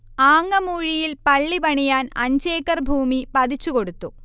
ആങ്ങമൂഴിയിൽ പള്ളി പണിയാൻ അഞ്ചേക്കർ ഭൂമി പതിച്ചു കൊടുത്തു